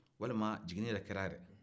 walima jigini yɛrɛ kɛra yɛrɛ